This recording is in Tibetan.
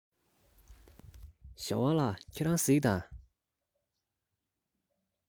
ཞའོ ཝང ལགས ཁྱེད རང གཟིགས དང